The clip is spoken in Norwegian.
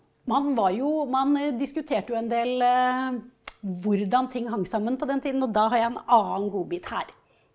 man var jo man diskuterte jo en del hvordan ting hang sammen på den tiden og da har jeg en annen godbit her.